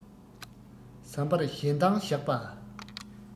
ཟམ པར ཞེ འདང བཞག པ